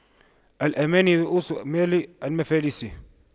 الأماني رءوس مال المفاليس